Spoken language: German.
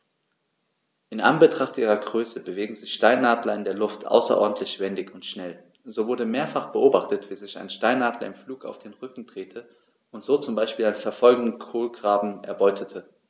In Anbetracht ihrer Größe bewegen sich Steinadler in der Luft außerordentlich wendig und schnell, so wurde mehrfach beobachtet, wie sich ein Steinadler im Flug auf den Rücken drehte und so zum Beispiel einen verfolgenden Kolkraben erbeutete.